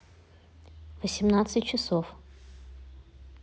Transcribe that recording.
восемнадцать часов